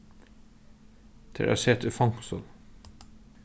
tað er at seta í fongsul